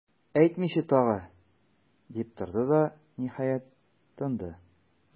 Әйтмичә тагы,- дип торды да, ниһаять, тынды.